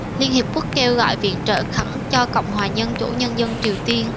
liên hiệp quốc kêu gọi viện trợ khẩn cho cộng hòa dân chủ nhân dân triều tiên